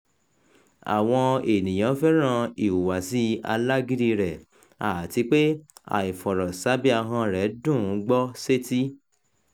Àwọn ènìyàn fẹ́ràn-an ìhùwàsí alágídíi rẹ̀ àti pé àìfọ̀rọ̀ sábẹ́ ahọ́n-ọn rẹ̀ dùn ún gbọ́ sétí.